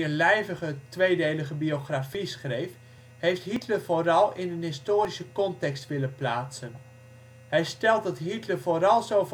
lijvige tweedelige biografie schreef, heeft Hitler vooral in een historische context willen plaatsen; hij stelt dat Hitler vooral zo